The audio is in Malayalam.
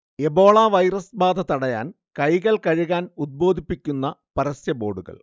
എബോള വൈറസ് ബാധ തടയാൻ കൈകൾ കഴുകാൻ ഉദ്ബോധിപ്പിക്കുന്ന പരസ്യ ബോർഡുകൾ